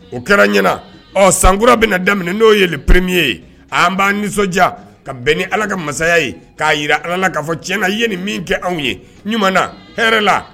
O kɛra an ɲɛna ɔ sankura bɛna na daminɛ n'o ye le premier ye, an b'an nisɔndiya ka bɛn ni Ala ka masaya ye, k'a jira Ala la k'a fɔ tiɲɛna i ye nin min kɛ an ye ɲuman, hɛrɛ la,